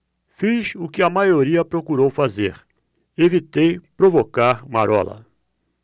fiz o que a maioria procurou fazer evitei provocar marola